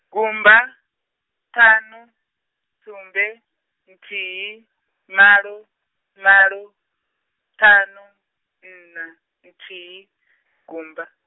gumba, ṱhanu, sumbe, nthihi, malo, malo, ṱhanu, nṋa, nthihi, gumba.